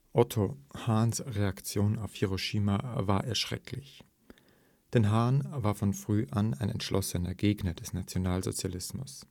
Otto Hahns Reaktion auf Hiroshima war schrecklich. Denn Hahn war von früh an ein entschlossener Gegner des Nationalsozialismus